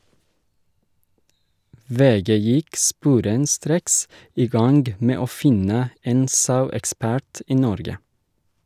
VG gikk sporenstreks i gang med å finne en sauekspert i Norge.